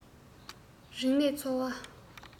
རིག གནས འཚོ བ